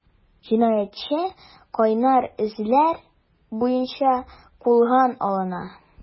Җинаятьче “кайнар эзләр” буенча кулга алына.